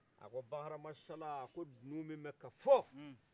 a ko bakari hama sala dunu min bɛ ka fɔ